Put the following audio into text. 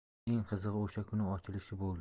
eng qizig'i o'sha kuni ochilishi bo'ldi